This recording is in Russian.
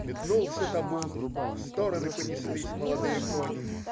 Метнулся табун, в стороны понеслись молодые кони.